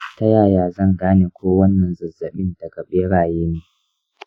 ta yaya zan gane ko wannan zazzabin daga beraye ne?